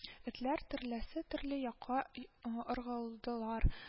Этләр төрләсе төрле якка ы ыргылдылар